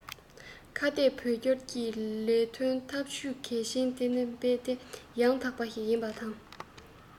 ལས བྱེད པ དང ཤེས ལྡན མི སྣའི དཔུང ཁག འཛུགས སྐྱོང ལ ཤུགས སྣོན བརྒྱབ ཡོད